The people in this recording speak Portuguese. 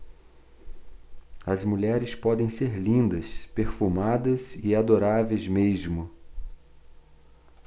as mulheres podem ser lindas perfumadas e adoráveis mesmo